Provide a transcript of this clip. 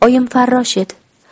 oyim farrosh edi